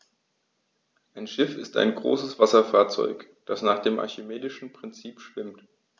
Ein Schiff ist ein größeres Wasserfahrzeug, das nach dem archimedischen Prinzip schwimmt.